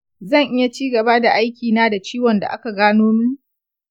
zan iya cigaba da aiki na da ciwon da aka gano min?